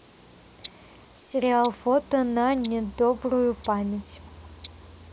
сериал фото на недобрую память